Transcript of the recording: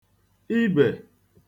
ibè